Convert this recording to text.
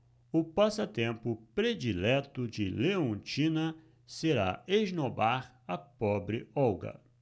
o passatempo predileto de leontina será esnobar a pobre olga